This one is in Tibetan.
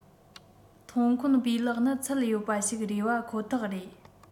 ཐོན ཁུངས སྤུས ལེགས ནི ཚད ཡོད པ ཞིག རེད པ ཁོ ཐག རེད